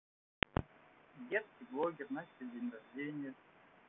детский блогер насти день рождения